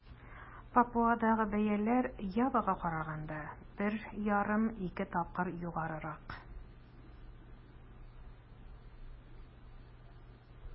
Папуадагы бәяләр Явага караганда 1,5-2 тапкыр югарырак.